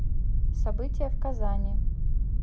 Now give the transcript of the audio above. события в казани